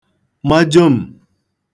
ma jom̀